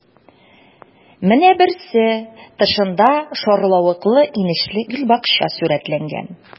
Менә берсе: тышында шарлавыклы-инешле гөлбакча сурәтләнгән.